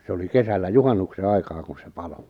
se oli kesällä juhannuksen aikaa kun se paloi